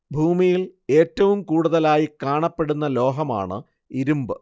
ഭൂമിയിൽ ഏറ്റവും കൂടുതലായി കാണപ്പെടുന്ന ലോഹമാണ് ഇരുമ്പ്